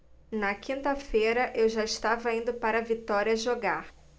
na quinta-feira eu já estava indo para vitória jogar